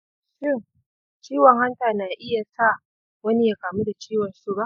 shin ciwon hanta na iya sa wani ya kamu da ciwon suga?